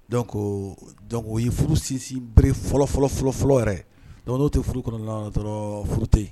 Dɔn dɔn ye furu sinsin nba fɔlɔ fɔlɔ fɔlɔ yɛrɛ n'o tɛ furu kɔnɔn furute yen